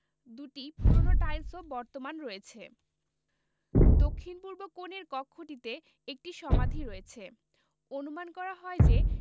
দুটি পুরানো টাইলসও বর্তমান রয়েছে দক্ষিণপূর্ব কোণের কক্ষটিতে একটি সমাধি রয়েছে অনুমান করা হয় যে